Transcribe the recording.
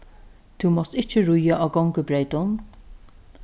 tú mást ikki ríða á gongubreytum